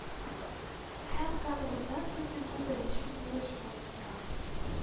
Һәм канализация төзү беренчел бурыч булып тора